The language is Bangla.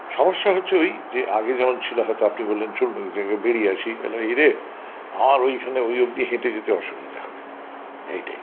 সমস্যা হচ্ছে ওই আগে যে যেমন ছিল হয়তো আপনি বললেন চলুন এক জায়গায় বেরিয়ে আসি বললাম এই রে আমার ওই খানে ওই অব্দি হেঁটে যেতে অসুবিধা হবে এইটাই